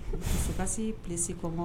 Sukasi p kɔn